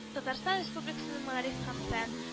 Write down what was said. – татарстан республикасының мәгариф һәм фән